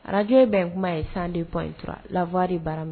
Araje bɛn kuma ye san dep in lawari bara minɛ